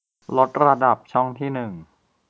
ลดระดับช่องที่หนึ่ง